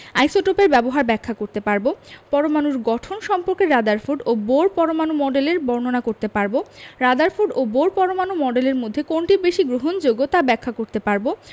আইসোটোপের ব্যবহার ব্যাখ্যা করতে পারব পরমাণুর গঠন সম্পর্কে রাদারফোর্ড ও বোর পরমাণু মডেলের বর্ণনা করতে পারব রাদারফোর্ড ও বোর পরমাণু মডেলের মধ্যে কোনটি বেশি গ্রহণযোগ্য তা ব্যাখ্যা করতে পারব